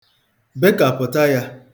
Bekapụta ya.